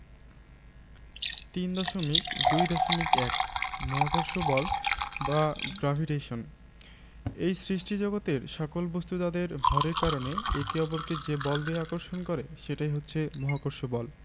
৩.২.১ মহাকর্ষ বল বা গ্রেভিটেশন এই সৃষ্টিজগতের সকল বস্তু তাদের ভরের কারণে একে অপরকে যে বল দিয়ে আকর্ষণ করে সেটাই হচ্ছে মহাকর্ষ বল